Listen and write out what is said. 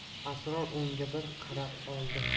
asror unga bir qarab oldi